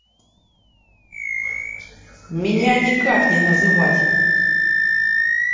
меня никак не называть